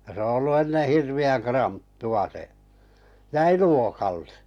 ja se on ollut ennen hirveän kranttua se jäi luokalle